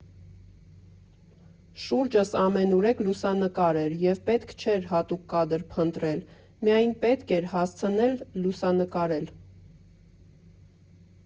Շուրջս ամենուրեք լուսանկար էր, և պետք չէր հատուկ կադր փնտրել՝ միայն պետք էր հասցնել լուսանկարել։